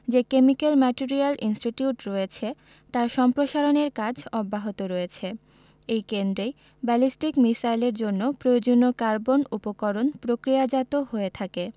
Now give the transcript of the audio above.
যে chemical material institute রয়েছে তার সম্প্রসারণের কাজ অব্যাহত রয়েছে এই কেন্দ্রেই ব্যালিস্টিক মিসাইলের জন্য প্রয়োজনীয় কার্বন উপকরণ প্রক্রিয়াজাত হয়ে থাকে